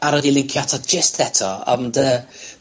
...barod i lincio ato jyst eto, ond yy,